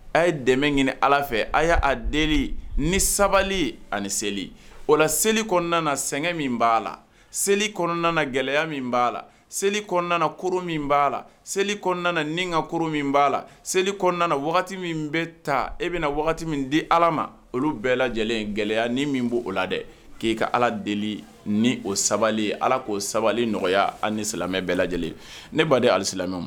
A ye dɛmɛ ɲini ala fɛ a' a deli ni sabali ani seli o la seli kɔnɔna sɛgɛn min b'a la seli kɔnɔna gɛlɛya min b'a la seli kɔnɔna koro min b' la seli ni ka koro min b' la seli kɔnɔna wagati min bɛ taa e bɛna na min di ala ma olu bɛɛ lajɛlen gɛlɛya ni min b' oo la dɛ k'i ka ala deli ni o sabali ala k'o sabali nɔgɔya ani silamɛ bɛɛ lajɛlen ne b baa di ali silamɛla